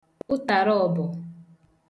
ụtàraọ̀bọ̀